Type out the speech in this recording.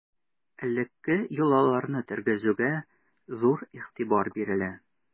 Элекке йолаларны тергезүгә зур игътибар бирелә.